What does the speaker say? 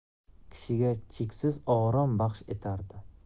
kishiga cheksiz orom baxsh etardi